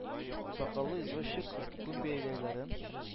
Сакаллы извозчик, күн бияләйләрен